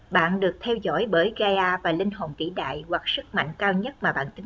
bạn được theo dõi bởi gaia và linh hồn vĩ đại hoặc sức mạnh cao nhất mà bạn tin tưởng